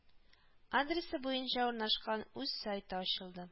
Адресы буенча урнашкан үз сайты ачылды